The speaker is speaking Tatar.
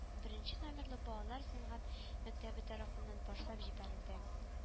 Беренче номерлы балалар сәнгать мәктәбе тарафыннан башлап җибәрелде